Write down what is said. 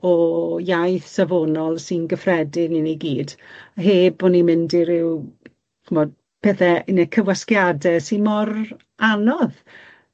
o iaith safonol sy'n gyffredin i ni gyd heb bo' ni'n mynd i ryw ch'mod pethe ne' cywasgiade sy mor anodd.